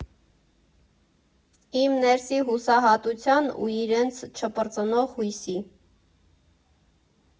Իմ ներսի հուսահատության ու իրենց չպրծնող հույսի։